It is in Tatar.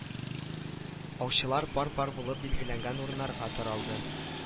Аучылар пар-пар булып билгеләнгән урыннарга таралды